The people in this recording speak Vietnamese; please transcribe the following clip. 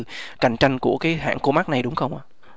cạnh tranh của cái hãng cô mác này đúng không ạ